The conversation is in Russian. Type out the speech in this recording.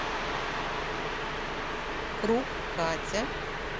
круг катя